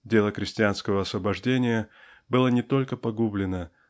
Дело крестьянского освобождения было не только погублено